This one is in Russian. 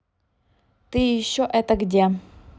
ты еще это где